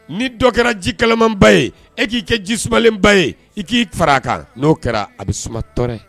Ni dɔ kɛra ji kalamanba ye e k'i kɛ jisbalenba ye i k'i fara kan n'o kɛra abistɛ